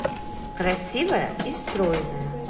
красивая и стройная